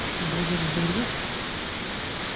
будешь дурить